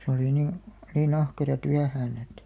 se oli niin niin ahkera työhön että